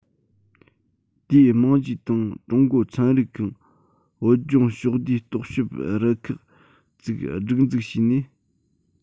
དེའི རྨང གཞིའི སྟེང ཀྲུང གོ ཚན རིག ཁང བོད ལྗོངས ཕྱོགས བསྡུས རྟོག ཞིབ རུ ཁག བཙུགས སྒྲིག འཛུགས བྱས ནས